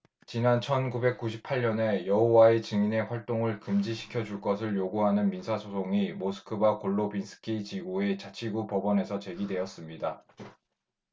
지난 천 구백 구십 팔 년에 여호와의 증인의 활동을 금지시켜 줄 것을 요구하는 민사 소송이 모스크바 골로빈스키 지구의 자치구 법원에 제기되었습니다